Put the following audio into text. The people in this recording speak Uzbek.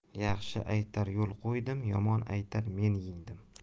yaxshi aytar yo'l qo'ydim yomon aytar men yengdim